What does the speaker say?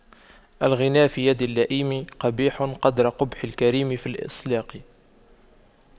الغنى في يد اللئيم قبيح قدر قبح الكريم في الإملاق